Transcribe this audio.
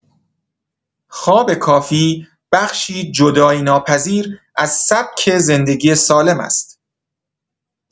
خواب کافی بخشی جدایی‌ناپذیر از سبک زندگی سالم است.